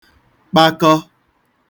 kpakọ